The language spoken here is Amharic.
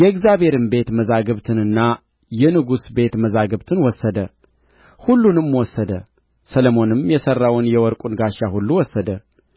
የእግዚአብሔርም ቤት መዛግብትንና የንጉሥ ቤት መዛግብትን ወሰደ ሁሉንም ወሰደ ሰሎሞንም የሠራውን የወርቁን ጋሻ ሁሉ ወሰደ